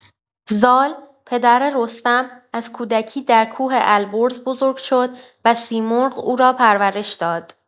زال، پدر رستم، از کودکی در کوه البرز بزرگ شد و سیمرغ او را پرورش داد.